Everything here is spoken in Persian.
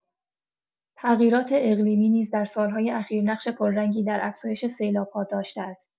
تغییرات اقلیمی نیز در سال‌های اخیر نقش پررنگی در افزایش سیلاب‌ها داشته است.